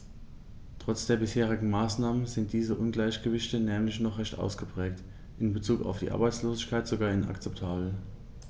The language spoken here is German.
Trotz der bisherigen Maßnahmen sind diese Ungleichgewichte nämlich noch recht ausgeprägt, in bezug auf die Arbeitslosigkeit sogar inakzeptabel.